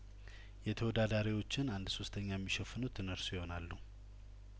የተወዳዳሪዎችን አንድ ሶስተኛ የሚሸፍኑት እነርሱ ይሆናሉ